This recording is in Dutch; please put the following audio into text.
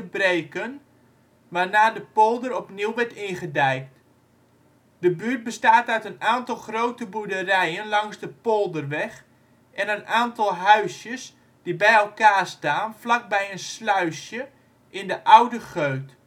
breken, waarna de polder opnieuw werd ingedijkt. De buurt bestaat uit een aantal grote boerderijen langs de Polderweg en een aantal huisjes die bij elkaar staan vlak bij een Sluisje in de Oude Geut